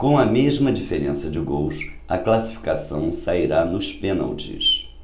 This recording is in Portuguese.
com a mesma diferença de gols a classificação sairá nos pênaltis